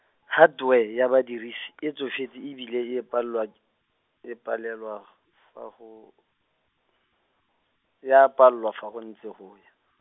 hardware ya badirisi, e tsofetse e bile e palwa, e palelwa o fa go, e a palwa fa go ntse go ya.